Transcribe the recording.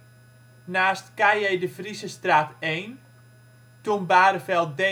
naast K.J. de Vriezestraat 1 (toen Bareveld D39), een